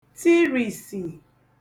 tirìsì